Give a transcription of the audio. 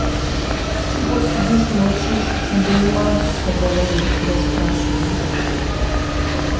чего сидишь молчишь чем занимаешься говорю тебя спрашиваю